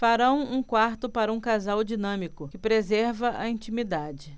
farão um quarto para um casal dinâmico que preserva a intimidade